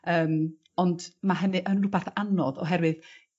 Yym ond ma' hynny yn rwbath anodd oherwydd